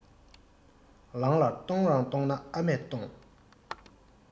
ལང ལ གཏོང རང གཏོང ན ཨ མས གཏོང